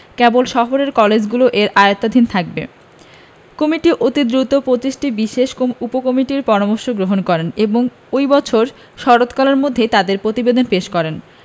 কেবল শহরের কলেজগুলি এর আওতাধীন থাকবে কমিটি অতি দ্রুত ২৫টি বিশেষ উপকমিটির পরামর্শ গ্রহণ করে এবং ওই বছর শরৎকালের মধ্যেই তাদের প্রতিবেদন পেশ করেন